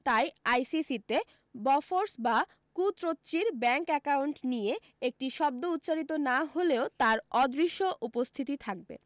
তাই আইসিসিতে বফর্স বা কূত্রোচ্চির ব্যাঙ্ক অ্যাকাউন্ট নিয়ে একটি শব্দ উচ্চারিত না হলেও তার অদৃশ্য উপস্থিতি থাকবে